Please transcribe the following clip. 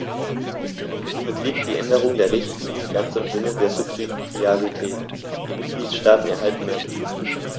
Somit liegt die Änderung der Richtlinie ganz im Sinne der Subsidiarität; die Mitgliedstaaten erhalten mehr Befugnisse.